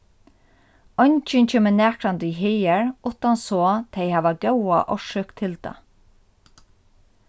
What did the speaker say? eingin kemur nakrantíð higar uttan so tey hava góða orsøk til tað